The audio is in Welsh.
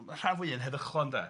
ma rha fwy yn heddychlon de.